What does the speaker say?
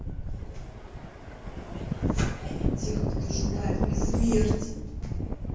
тех кто желает мне смерти